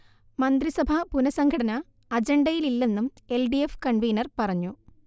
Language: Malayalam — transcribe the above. മന്ത്രിസഭ പുനഃസംഘടന അജണ്ടയിലില്ലെന്നും എൽ ഡി എഫ് കൺവീനർ പറഞ്ഞു